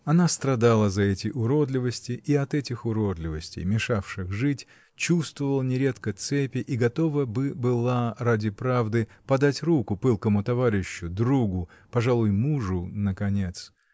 Она страдала за эти уродливости и от этих уродливостей, мешавших жить, чувствовала нередко цепи и готова бы была, ради правды, подать руку пылкому товарищу, другу, пожалуй, мужу, наконец.